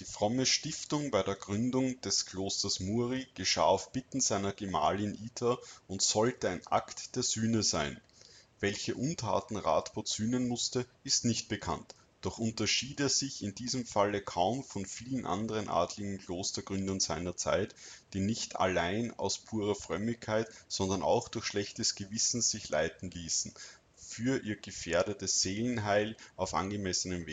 fromme Stiftung bei der Gründung des Klosters Muri geschah auf Bitten seiner Gemahlin Ita, und sollte ein Akt der Sühne sein. Welche Untaten Radbot sühnen musste, ist nicht bekannt, doch unterschied er sich in diesem Falle kaum von vielen anderen adligen Klostergründern seiner Zeit, die nicht allein aus purer Frömmigkeit, sondern auch durch schlechtes Gewissen sich leiten ließen, für ihr gefährdetes Seelenheil auf angemessene